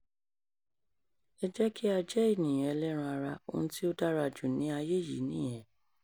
Ẹ jẹ́ kí a jẹ́ ènìyàn ẹlẹ́ran ara, ohun tí ó dára jù ní ayé yìí nìyẹn.